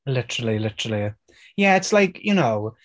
Literally, literally. Yeah, it's like, you know?